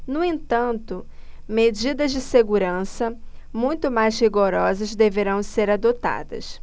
no entanto medidas de segurança muito mais rigorosas deverão ser adotadas